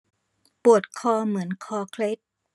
ปวดคอเหมือนคอเคล็ด